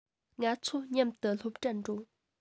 ང ཚོ མཉམ དུ སློབ གྲྭར འགྲོ